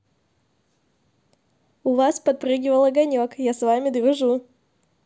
у вас подпрыгивал огонек я с вами дружу